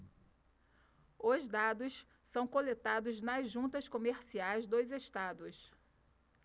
os dados são coletados nas juntas comerciais dos estados